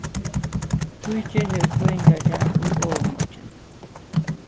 fríðgerð hevur føðingardag í ovurmorgin